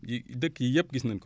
yii dëkk yii yépp gis nañ ko